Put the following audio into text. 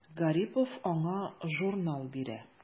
Гарипов аңа журнал бирә.